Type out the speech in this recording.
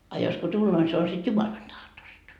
a jos kun tulee niin se on sitten Jumalan tahdosta